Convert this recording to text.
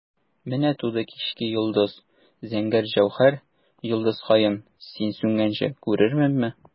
Менә туды кичке йолдыз, зәңгәр җәүһәр, йолдызкаем, син сүнгәнче күрерменме?